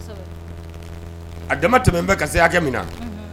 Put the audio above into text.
A dama tɛmɛ bɛ kasi seyakɛ min na